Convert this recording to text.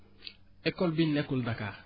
école bi nekkul Dakar